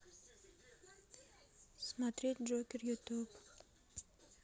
смотреть джокер ютуб